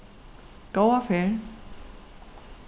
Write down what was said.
góða ferð